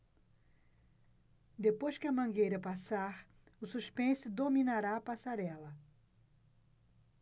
depois que a mangueira passar o suspense dominará a passarela